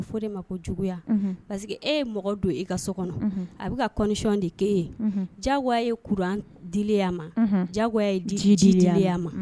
A bɛ fɔ o de ma ko juguya, unhun, parce que e ye mɔgɔ don i ka so kɔnɔ, unhun ,a bɛ condition de k'e ye, unhun ,diyagoya ye , courant dili y'a ma , unhun, diyagoya ye ji dili y'a man.unhun.